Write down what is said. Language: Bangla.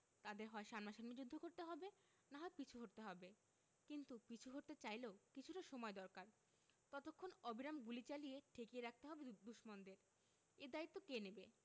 তাঁদের হয় সামনাসামনি যুদ্ধ করতে হবে না হয় পিছু হটতে হবে কিন্তু পিছু হটতে চাইলেও কিছুটা সময় দরকার ততক্ষণ অবিরাম গুলি চালিয়ে ঠেকিয়ে রাখতে হবে দুশমনদের এ দায়িত্ব কে নেবে